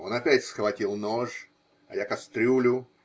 Он опять схватил нож, а я кастрюлю.